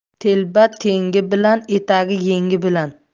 telba tengi bilan etagi yengi bilan